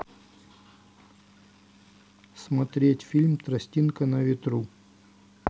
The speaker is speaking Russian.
смотреть фильм тростинка на ветру